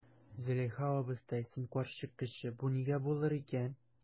Зөләйха абыстай, син карчык кеше, бу нигә булыр икән?